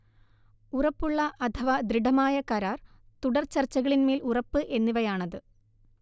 ഉറപ്പുള്ള അഥവാ ദൃഢമായ കരാർ, തുടർചർച്ചകളിന്മേൽ ഉറപ്പ് എന്നിവയാണത്